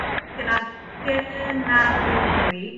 gynnal- gynnaledwy